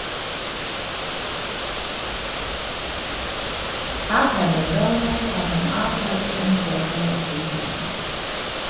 ákærin vónaði at tann ákærdi endiliga fór at viðganga